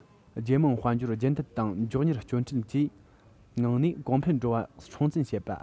རྒྱལ དམངས དཔལ འབྱོར རྒྱུན མཐུད དང མགྱོགས མྱུར སྐྱོན བྲལ བཅས ངང ནས གོང འཕེལ འགྲོ བ སྲུང འཛིན བྱེད པ